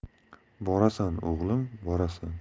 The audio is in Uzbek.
borasan o'g'lim borasan